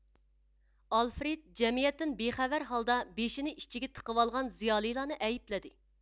ئالفرېد جەمئىيەتتىن بىخەۋەر ھالدا بېشىنى ئىچىگە تىقىۋالغان زىيالىيلارنى ئەيىپلىدى